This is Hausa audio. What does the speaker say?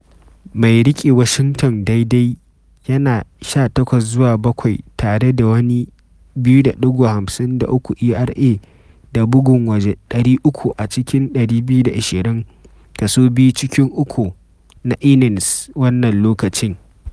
Mai riƙe Washington daidai yana 18-7 tare da wani 2.53 ERA da bugun waje 300 a cikin 220 2/3 innings wannan lokacin.